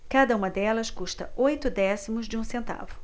cada uma delas custa oito décimos de um centavo